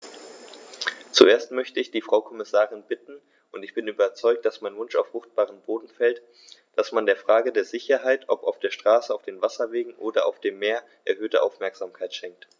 Zuerst möchte ich die Frau Kommissarin bitten - und ich bin überzeugt, dass mein Wunsch auf fruchtbaren Boden fällt -, dass man der Frage der Sicherheit, ob auf der Straße, auf den Wasserwegen oder auf dem Meer, erhöhte Aufmerksamkeit schenkt.